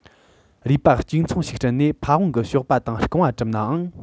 རུས པ གཅིག མཚུངས ཤིག བསྐྲུན ནས ཕ ཝང གི གཤོག པ དང རྐང བ གྲུབ ནའང